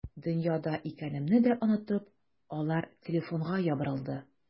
Дөньяда икәнемне дә онытып, алар телефонга ябырылды.